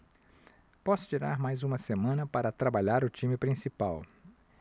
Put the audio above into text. posso tirar mais uma semana para trabalhar o time principal